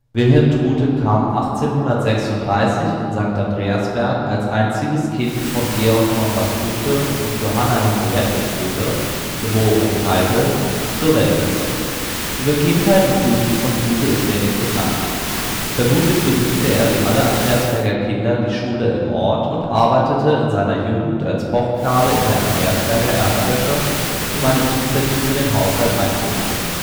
Wilhelm Trute kam 1836 in Sankt Andreasberg als einziges Kind von Georg Conrad Trute und Johanna Henriette Trute (geb. Keitel) zur Welt. Über Kindheit und Jugend von Trute ist wenig bekannt. Vermutlich besuchte er wie alle Andreasberger Kinder die Schule im Ort und arbeitete in seiner Jugend als Pochknabe in der Andreasberger Erzwäsche, um einen Zuverdienst in den Haushalt einzubringen